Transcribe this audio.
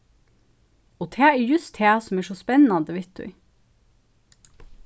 og tað er júst tað sum er so spennandi við tí